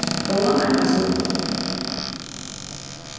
góðan arbeiðshug